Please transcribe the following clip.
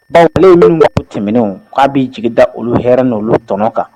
tɛmɛnenw k'a b'i jigi da olu hɛrɛ n'olu tɔnɔn kan.